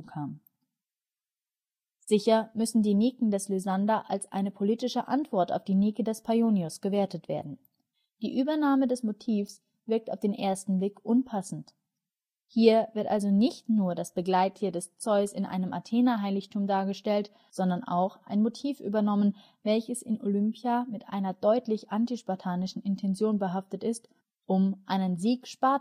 Sicher müssen die Niken des Lysander als eine politische Antwort auf die Nike des Paionios gewertet werden. Die Übernahme des Motivs wirkt auf den ersten Blick unpassend. Hier wird nicht nur das Begleittier des Zeus in einem Athenaheiligtum dargestellt, sondern auch ein Motiv übernommen, welches in Olympia mit einer deutlich antispartanischen Intention behaftet ist, um einen Sieg Spartas über Athen zu demonstrieren